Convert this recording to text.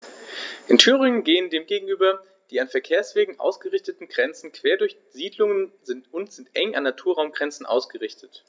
In Thüringen gehen dem gegenüber die an Verkehrswegen ausgerichteten Grenzen quer durch Siedlungen und sind eng an Naturraumgrenzen ausgerichtet.